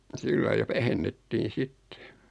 sillä lailla ja vähennettiin sitten